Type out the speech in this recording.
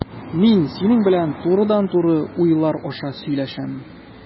Мин синең белән турыдан-туры уйлар аша сөйләшәм.